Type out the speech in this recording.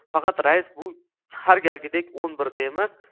faqat rais bugun har galgidek o'n birda emas